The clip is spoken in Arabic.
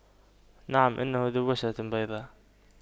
نعم انه ذو بشرة بيضاء